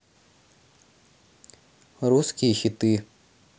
русские хиты